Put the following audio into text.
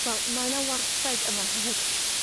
Wel, mae 'na wartheg yma hefyd.